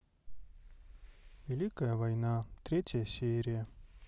великая война третья серия